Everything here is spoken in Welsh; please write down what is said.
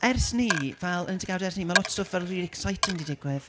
Ers 'ny, fel yn y degawdau ers 'ny, mae lot o stwff fel rili exciting 'di digwydd.